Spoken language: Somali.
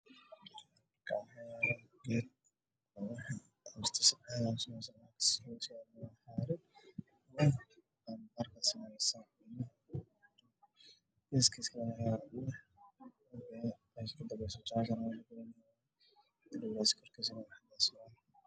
Meeshaan waxaa yaalo ubax caddaana wuxuu dhex jiraa miis caddaalad